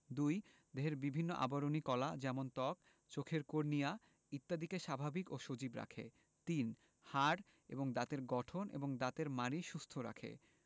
২. দেহের বিভিন্ন আবরণী কলা যেমন ত্বক চোখের কর্নিয়া ইত্যাদিকে স্বাভাবিক ও সজীব রাখে ৩. হাড় এবং দাঁতের গঠন এবং দাঁতের মাড়ি সুস্থ রাখে